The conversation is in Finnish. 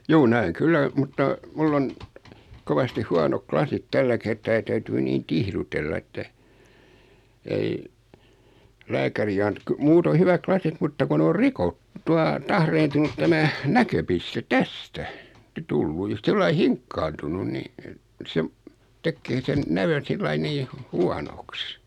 juu näen kyllä mutta minulla on kovasti huonot lasit tällä kertaa ja täytyy niin tihrutella että ei lääkäri -- muuten hyvät lasit mutta kun ne on - tuota tahriintunut tämä näköpiste tästä tullut ja sillä lailla hinkkaantunut niin että sen tekee sen näön sillä lailla niin - huonoksi